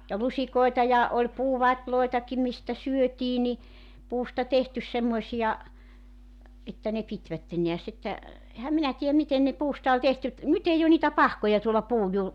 ja lusikoita ja oli puuvatejakin mistä syötiin niin puusta tehty semmoisia että ne pitivät näet että enhän minä tiedä miten ne puusta oli tehty että nyt ei ole niitä pahkoja tuolla puun -